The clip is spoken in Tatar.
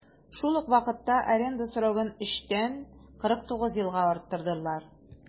Шул ук вакытта аренда срогын 3 тән 49 елга арттырдылар.